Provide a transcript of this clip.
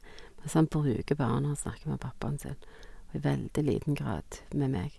Men som han bruker bare når han snakker med pappaen sin, og i veldig liten grad med meg.